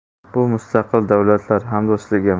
bu mustaqil davlatlar hamdo'stligi